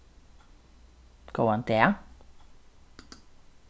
góðan dag